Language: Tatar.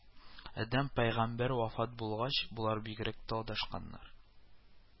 Адәм пәйгамбәр вафат булгач, болар бигрәк тә адашканнар